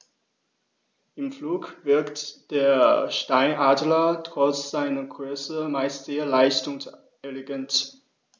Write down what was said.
Im Flug wirkt der Steinadler trotz seiner Größe meist sehr leicht und elegant.